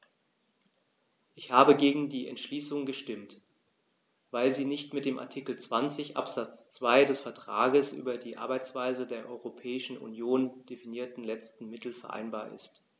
Ich habe gegen die Entschließung gestimmt, weil sie nicht mit dem in Artikel 20 Absatz 2 des Vertrags über die Arbeitsweise der Europäischen Union definierten letzten Mittel vereinbar ist.